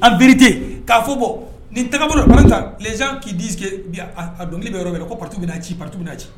an bite k'a fɔ bɔ nin tan bolo ala z k'i di dɔnkili bɛ yɔrɔ ko bɛa ci pa bɛ'a ci